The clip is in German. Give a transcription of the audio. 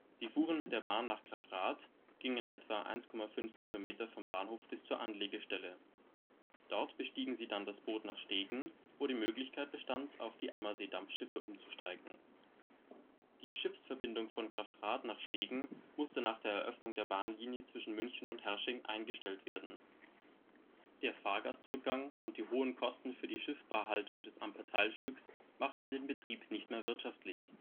Sie fuhren mit der Bahn nach Grafrath, gingen etwa 1,5 km vom Bahnhof bis zur Anlegestelle. Dort bestiegen sie dann das Boot nach Stegen, wo die Möglichkeit bestand auf die Ammersee-Dampfschiffe umzusteigen. Die Schiffsverbindung von Grafrath nach Stegen musste nach der Eröffnung der Bahnlinie zwischen München und Herrsching eingestellt werden. Der Fahrgastrückgang und die hohen Kosten für die Schiffbarhaltung des Amperteilstücks machten den Betrieb nicht mehr wirtschaftlich